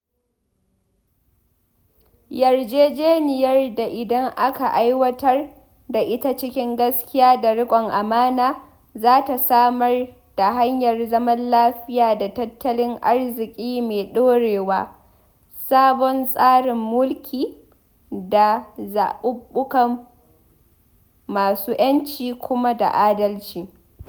Yarjejeniyar da idan aka aiwatar da ita cikin gaskiya da rikon amana, za ta samar da hanyar zaman lafiya da tattalin arziki mai ɗorewa, sabon tsarin mulki, da zaɓuɓɓukan masu ƴanci kuma da adalci.